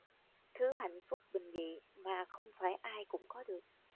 thứ hạnh phúc bình dị mà không phải ai cũng có được